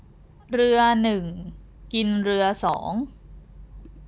เรือหนึ่งกินเรือสอง